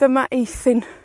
dyma eithin.